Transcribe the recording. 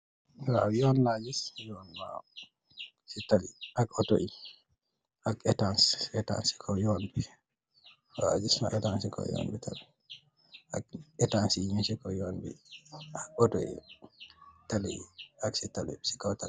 Yoon laa gis, si tali, ak otto, ak etaas, si kow yoon wi. Waaw, gis naa etaas si kow yoon bi. Ak etaas yi, si kow Yoon bi. Ak otto yi, ak si kow tali bi.